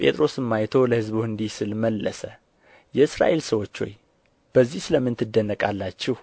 ጴጥሮስም አይቶ ለሕዝቡ እንዲህ ሲል መለሰ የእስራኤል ሰዎች ሆይ በዚህ ስለ ምን ትደነቃላችሁ